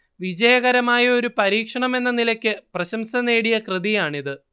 വിജയകരമായ ഒരു പരീക്ഷണമെന്ന നിലയ്ക്ക് പ്രശംസ നേടിയ കൃതിയാണിത്